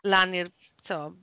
Lan i'r, tibod.